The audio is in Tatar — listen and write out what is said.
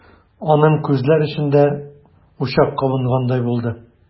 Аның күзләр эчендә учак кабынгандай булды.